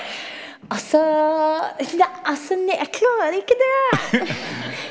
altså altså jeg klarer ikke det.